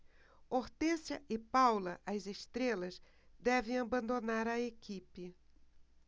hortência e paula as estrelas devem abandonar a equipe